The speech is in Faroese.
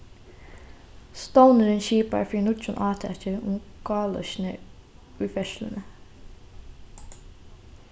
stovnurin skipar fyri nýggjum átaki um gáloysni í ferðsluni